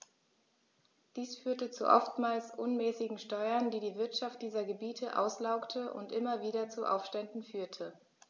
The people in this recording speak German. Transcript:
Dies führte zu oftmals unmäßigen Steuern, die die Wirtschaft dieser Gebiete auslaugte und immer wieder zu Aufständen führte.